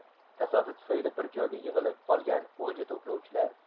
tasodif tufayli bir joyga yig'ilib qolgan o'lja to'plovchilar